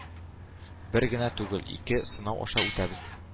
“бер генә түгел, ике сынау аша үтәбез.